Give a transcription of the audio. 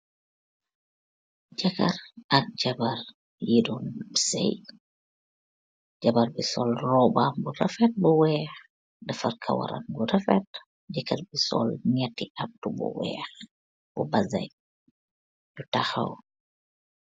Jekarr ak jabarr yiidon seyy, jabarr bi sol rohbam bu rafet bu wekh defarr kawaram bu rafet, jekarr bi sol njeti abdu bu wekh bu bazin, nju takhaw.